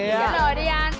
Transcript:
trả lời đi anh